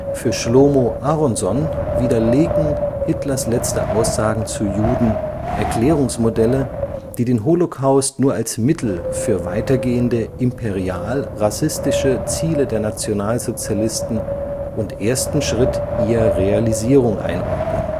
Für Shlomo Aronson widerlegen Hitlers letzte Aussagen zu Juden Erklärungsmodelle, die den Holocaust nur als Mittel für weitergehende imperial-rassistische Ziele der Nationalsozialisten und ersten Schritt ihrer Realisierung einordnen